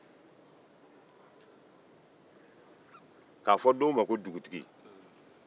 k'a fɔ dɔw ma ko dugutigi